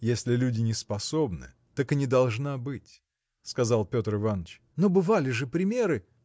– Если люди не способны, так и не должна быть. – сказал Петр Иваныч. – Но бывали же примеры.